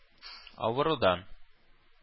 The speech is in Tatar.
Авырудан